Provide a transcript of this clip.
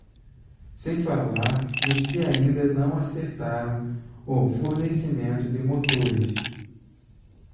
sem falar nos que ainda não acertaram o fornecimento de motores